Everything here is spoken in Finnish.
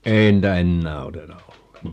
ei niitä enää oteta ollenkaan